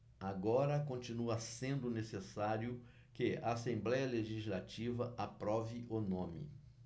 agora continua sendo necessário que a assembléia legislativa aprove o nome